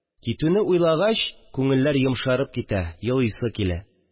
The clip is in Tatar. Китүне уйлагач, күңелләр йомшарып китә, елайсы килә